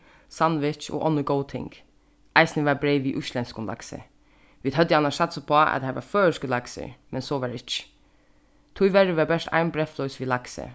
sandwich og onnur góð ting eisini var breyð við íslendskum laksi vit høvdu annars satsað upp á at har var føroyskur laksur men so var ikki tíverri var bert ein breyðflís við laksi